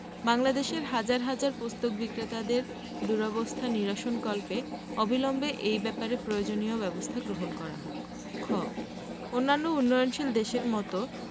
বাংলাদেশের হাজার হাজার পুস্তক বিক্রেতাদের দুরবস্থা নিরসনকল্পে অবিলম্বে এই ব্যাপারে প্রয়োজনীয় ব্যাবস্থা গ্রহণ করা হোক খ অন্যান্য উন্নয়নশীল দেশের মত